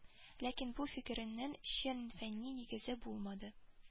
Ләкин бу фикернең чын фәнни нигезе булмады